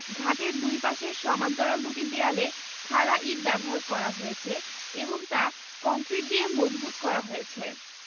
ঘাটের দুই পাশের সমান্তরাল দুটি দেয়ালে খাড়া ইট ব্যবহার করা হয়েছে এবং তা কংক্রিট দিয়ে মজবুত করা হয়েছে